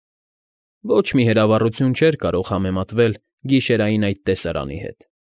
Ոչ մի հրավառություն չէր կարող համեմատվել գիշերային այդ տեսարանի հետ։